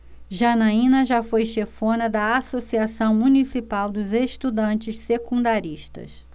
janaina foi chefona da ames associação municipal dos estudantes secundaristas